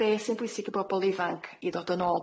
Be' sy'n bwysig i bobol ifanc i ddod yn ôl?